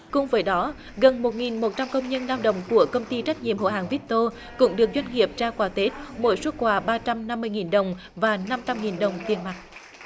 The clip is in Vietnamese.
cùng với đó gần một nghìn một trăm công nhân lao động của công ty trách nhiệm hữu hạn vích to cũng được chuyên nghiệp trao quà tết mỗi suất quà ba trăm năm mươi nghìn đồng và năm trăm nghìn đồng tiền mặt